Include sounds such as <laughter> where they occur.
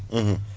<hesitation> <hesitation>